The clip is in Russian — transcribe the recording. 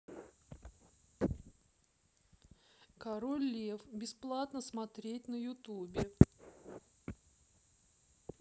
король лев бесплатно смотреть на ютубе